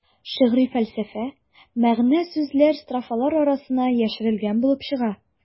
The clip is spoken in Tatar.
Шигъри фәлсәфә, мәгънә-сүзләр строфалар арасына яшерелгән булып чыга.